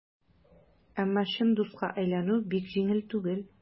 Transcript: Әмма чын дуска әйләнү бик җиңел түгел.